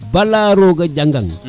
bala roga jangaŋ